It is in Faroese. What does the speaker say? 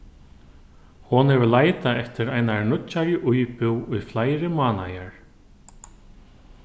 hon hevur leitað eftir einari nýggjari íbúð í fleiri mánaðar